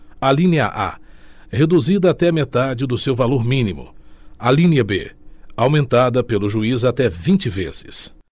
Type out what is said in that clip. alinha a reduzida até a metade do seu valor mínimo alinha b aumentada pelo juiz até vinte vezes